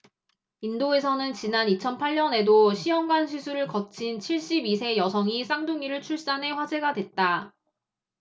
인도에서는 지난 이천 팔 년에도 시험관시술을 거친 칠십 이 세 여성이 쌍둥이를 출산해 화제가 됐다